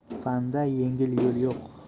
fanda yengil yo'l yo'q